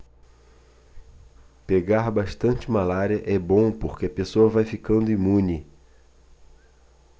pegar bastante malária é bom porque a pessoa vai ficando imune